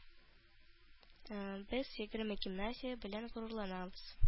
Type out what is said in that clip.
Без егерме гимназия белән горурланабыз